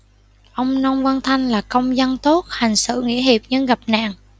ông nông văn thanh là công dân tốt hành xử nghĩa hiệp nhưng gặp nạn